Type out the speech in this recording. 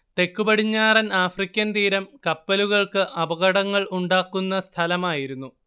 തെക്കുപടിഞ്ഞാറൻ ആഫ്രിക്കൻ തീരം കപ്പലുകൾക്ക് അപകടങ്ങൾ ഉണ്ടാക്കുന്ന സ്ഥലമായിരുന്നു